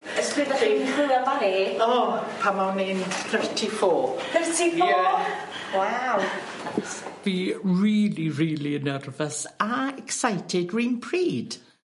Ers pryd 'dach chi'n chwilio amdani? O pan o'n i'n thirty four. Thirty four? Ie. Waw. Fi rili ril yn nervous a excited 'r un pryd.